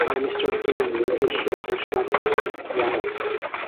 Mae Mistar Antolini yn ceisio 'i berswadio i aros.